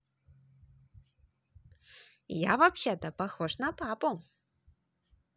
я вообще то похож на папу